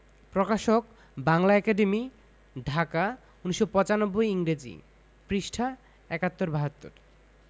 প্রকাশকঃ বাংলা একাডেমী ঢাকা ১৯৯৫ ইংরেজি পৃঃ ৭১ ৭২